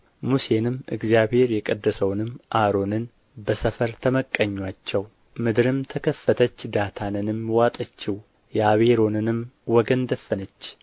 ሙሴንም እግዚአብሔር የቀደሰውንም አሮንን በሰፈር ተመቀኙአቸው ምድርም ተከፈተች ዳታንንም ዋጠችው የአቤሮንንም ወገን ደፈነች